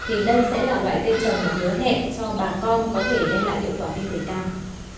thì đây sẽ là loại cây trồng mà hứa hẹn cho bà con có thể đem lại hiệu quả kinh tế cao